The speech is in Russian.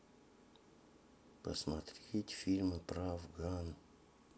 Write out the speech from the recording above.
посмотреть фильмы про афган